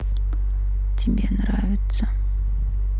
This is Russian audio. тебе нравится